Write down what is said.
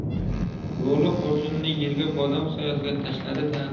lo'li xurjunini yerga bodom soyasiga tashladi da